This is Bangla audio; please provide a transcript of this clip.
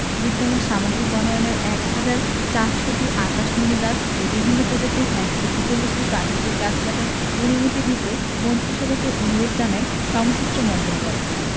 বিদ্যমান সামাজিক বনায়নের ১ হাজার ৪০০টি আকাশমণি গাছ ও বিভিন্ন প্রজাতির ১৪৬টি প্রাকৃতিক গাছ কাটার অনুমতি দিতে মন্ত্রিসভাকে অনুরোধ জানায় সংশ্লিষ্ট মন্ত্রণালয়